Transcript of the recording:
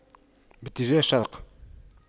باتجاه الشرق